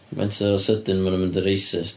Faint o sydyn maen nhw'n mynd yn racist.